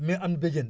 mi ngi am béjjén